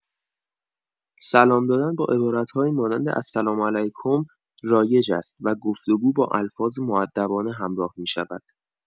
سلام دادن با عبارت‌هایی مانند السلام علیکم رایج است و گفت‌وگو با الفاظ مودبانه همراه می‌شود.